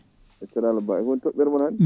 yettere Allah Ba i kowoni toɓɓere moon hande